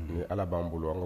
N ala b'an bolo kɔ